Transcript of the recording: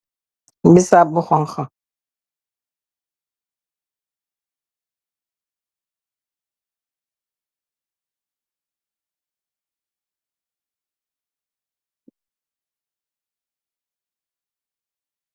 Bisaab bu xonxu.